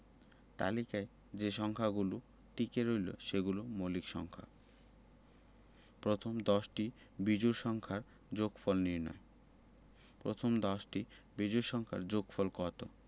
তালিকায় যে সংখ্যাগুলো টিকে রইল সেগুলো মৌলিক সংখ্যা প্রথম দশটি বিজোড় সংখ্যার যোগফল নির্ণয় প্রথম দশটি বিজোড় সংখ্যার যোগফল কত